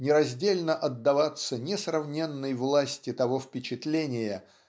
нераздельно отдаваться несравненной власти того впечатления